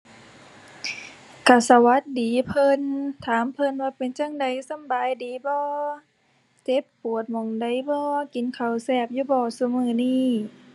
ก็สวัสดีเพิ่น ถามเพิ่นว่าเป็นจั่งใดสำบายดีบ่ เจ็บปวดหม้องใดบ่ กินข้าวแซ่บอยู่บ่ ซุมื้อนี้